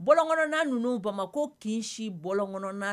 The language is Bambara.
Bɔ ninnu bamakɔ ma ko kinsin bɔ kɔnɔ